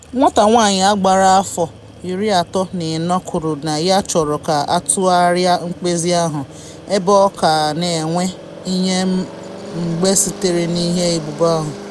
Nwata nwanyị a gbara afọ 34 kwuru na ya-chọrọ ka atụgharịa mkpezi ahụ ebe ọ ka na-enwe ihe mgbu sitere n’ihe ebubo ahụ.